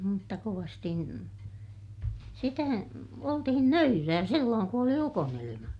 mutta kovasti sitä oltiin nöyrää silloin kun oli ukonilma